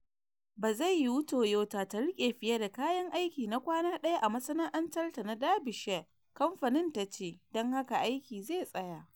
Ba zai yiyu Toyota ta rike fiye da kayan aiki na kwana daya a masana’antar ta na Derbyshire, kamfanin ta ce, dan haka aiki zai tsaya.